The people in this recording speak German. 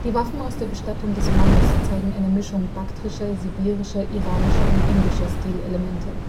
Waffen aus der Bestattung des Mannes zeigen eine Mischung baktrischer, sibirischer, iranischer und indischer Stilelemente